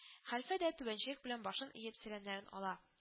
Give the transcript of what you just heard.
Хәлфә дә, түбәнчелек белән башын иеп, сәламнәрен ала